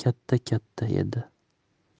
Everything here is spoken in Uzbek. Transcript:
katta katta edi